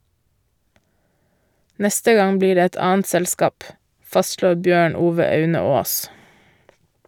Neste gang blir det et annet selskap, fastslår Bjørn Ove Aune-Aas.